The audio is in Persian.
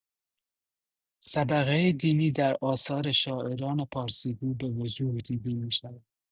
صبغه دینی در آثار شاعران پارسی‌گو به‌وضوح دیده می‌شود.